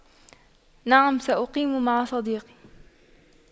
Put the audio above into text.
نعم سأقيم مع صديقي